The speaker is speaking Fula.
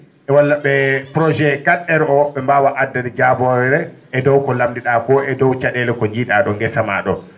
walla ?e projet qautre aires o ?e mbawa addere jaabore e dow ko lamdi ?a ko e dow ca?ele ko jii?a ?o guesama ?o